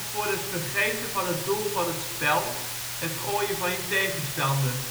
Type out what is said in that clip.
voor het ' vergeten ' van het doel van het spel (het gooien van je tegenstander